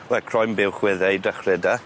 Wel croen buwch wedd e i dechre 'dy.